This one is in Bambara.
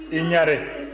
i ɲare